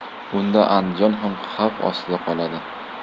unda andijon ham xavf ostida qoladi